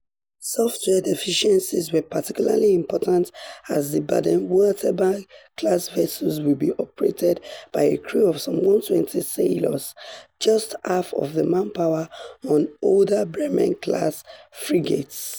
Software deficiencies were particularly important as the Baden-Wuerttemberg-class vessels will be operated by a crew of some 120 sailors - just half of the manpower on older Bremen class frigates.